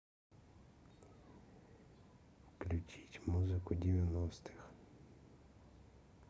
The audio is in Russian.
включить музыку девяностых